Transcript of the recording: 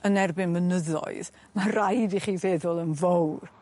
yn erbyn mynyddoedd ma' raid i chi feddwl yn fowr.